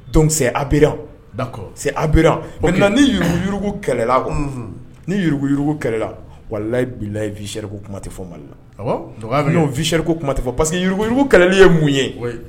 Donc c'est aberrant d'accord c'est aberrant maintenant ni yurugu yurugu kɛlɛla quoi unhun ni yurugu yurugu kɛlɛla walahi bilahi vie chère ko kuma te fɔ Mali la ah bon nɔgɔya be kɛ non vie chère ko kuma te fɔ parce que yurugu-yurugu kɛlɛli ye mun ye ouai